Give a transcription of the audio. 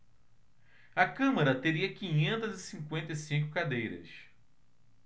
a câmara teria quinhentas e cinquenta e cinco cadeiras